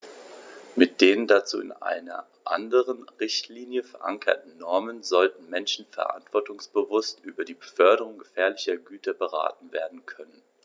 Mit den dazu in einer anderen Richtlinie, verankerten Normen sollten Menschen verantwortungsbewusst über die Beförderung gefährlicher Güter beraten werden können.